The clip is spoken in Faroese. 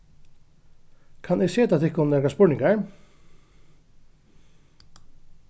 kann eg seta tykkum nakrar spurningar